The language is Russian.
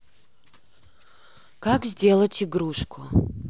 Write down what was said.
как сделать игрушку